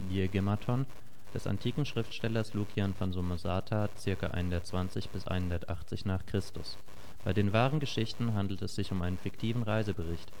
diēgēmatōn) des antiken Schriftstellers Lukian von Samosata (ca. 120-180 n. Chr.). Bei den Wahren Geschichten handelt es sich um einen fiktiven Reisebericht